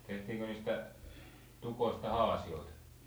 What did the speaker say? tehtiinkö niistä tukoista haasioita